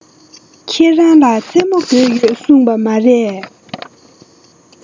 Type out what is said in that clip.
ཁྱེད རང ལ ཙེ མོ དགོས ཡོད གསུངས པ མ རས